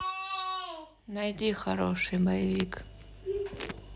найди хороший боевик